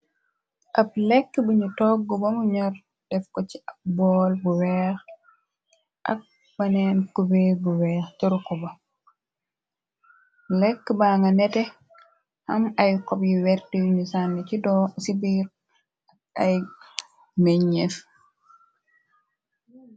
Ab lekk buñu togg bamu ñor, def ko ci ab bool bu weex, ak baneen kubeer bu weex sa ruxuba, lekk ba nga nete, am ay xob yu werti yuñu sànni ci biir ak ay menñeef.